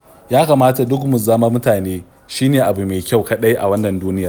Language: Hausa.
Ya kamata duk mu zama mutane, shi ne abu mai kyau kaɗai a wannan duniyar.